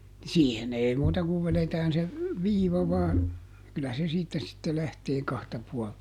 siihen ei muuta kuin vedetään se viiva vain kyllä se siitä sitten lähtee kahta puolta